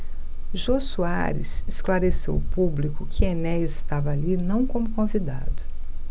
jô soares esclareceu ao público que enéas estava ali não como convidado